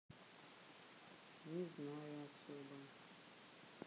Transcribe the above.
не знаю особо